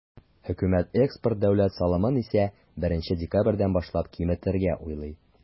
Хөкүмәт экспорт дәүләт салымын исә, 1 декабрьдән башлап киметергә уйлый.